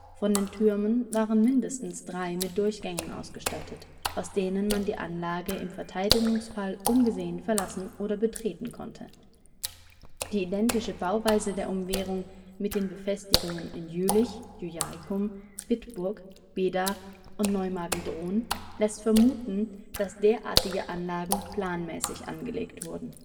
Von den Türmen waren mindestens drei mit Durchgängen ausgestattet, aus denen man die Anlage im Verteidigungsfall ungesehen verlassen oder betreten konnte. Die identische Bauweise der Umwehrung mit den Befestigungen in Jülich (Iuliacum), Bitburg (Beda) und Neumagen-Dhron lässt vermuten, dass derartige Anlagen planmäßig angelegt wurden